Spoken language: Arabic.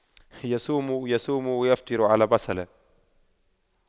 يصوم يصوم ويفطر على بصلة